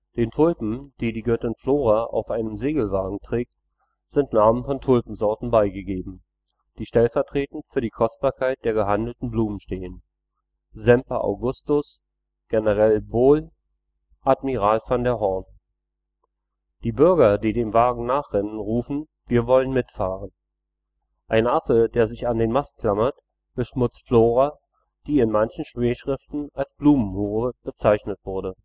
Den Tulpen, die die Göttin Flora auf einem Segelwagen trägt, sind Namen von Tulpensorten beigegeben, die stellvertretend für die Kostbarkeit der gehandelten Blumen stehen: Semper Augustus, Generael Bol und Admirael van (n) Horn. Die Bürger, die dem Wagen nachrennen rufen: Wy willen mee vaeren (‚ Wir wollen mitfahren ‘). Ein Affe, der sich an den Mast klammert, beschmutzt Flora, die in manchen Schmähschriften als Bloemenhoertje (‚ Blumenhure ‘) bezeichnet wurde